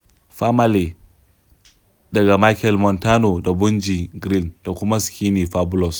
3. "Famalay" daga Machel Montano da Bunji Grlin da kuma Skinny Fabulous